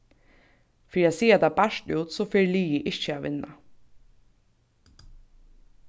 fyri at siga tað bart út so fer liðið ikki at vinna